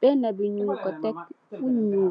bena bi nyu ko tek fo bulu.